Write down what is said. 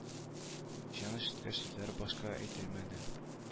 Җан өшеткеч сүзләр башка әйтелмәде